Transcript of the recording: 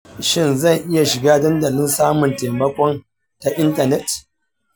shin zan iya shiga dandalin samun taimakon ta intanet?